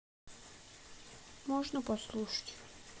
можно послушать